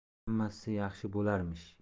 hammasi yaxshi bo'larmish